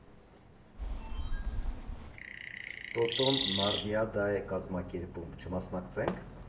Տոտոն Նարդիադա է կազմակերպում՝ չմասնակցե՞նք։